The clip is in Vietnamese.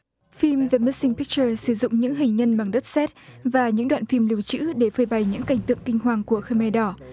phim thơ mít sinh píc trờ sử dụng những hình nhân bằng đất sét và những đoạn phim lưu trữ để phơi bày những cảnh tượng kinh hoàng của khơ me đỏ